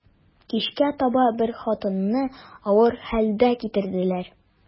Кичкә таба бер хатынны авыр хәлдә китерделәр.